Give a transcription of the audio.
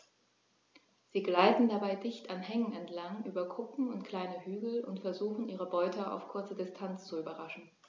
Sie gleiten dabei dicht an Hängen entlang, über Kuppen und kleine Hügel und versuchen ihre Beute auf kurze Distanz zu überraschen.